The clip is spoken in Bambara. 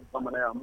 Bamanan